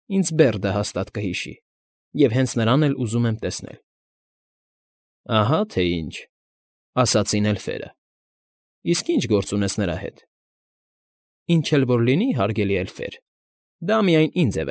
Ինձ Բերդը հաստատ կհիշի, և հենց նրան էլ ուզում եմ տեսնել։ ֊ Ահա թե ինչ,֊ ասացին էլֆերը։֊ Իսկ ի՞նչ գործ ունես նրա հետ։ ֊ Ինչ էլ որ լինի, հարգելի էլֆեր, դա միայն ինձ է։